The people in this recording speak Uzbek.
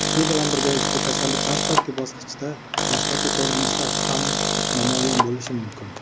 shu bilan birga ushbu kasallik dastlabki bosqichda boshqacha ko'rinishda ham namoyon bo'lishi mumkin